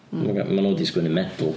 Ocê maen nhw 'di sgwennu medal.